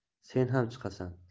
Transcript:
sen ham chiqasan